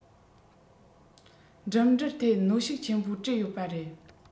འགྲིམ འགྲུལ ཐད གནོན ཤུགས ཆེན པོ སྤྲད ཡོད པ རེད